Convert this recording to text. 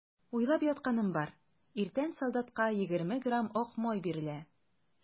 Уйлап ятканым бар: иртән солдатка егерме грамм ак май бирелә.